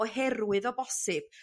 oherwydd o bosib